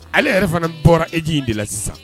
Ale yɛrɛ fana bɔra eji in de la sisan.